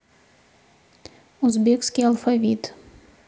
узбекский алфавит